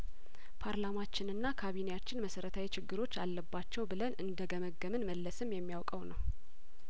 ፓርላማችንና ካቢኔያችን መሰረታዊ ችግሮች አለባቸው ብለን እንደገመገምን መለስም የሚያውቀው ነው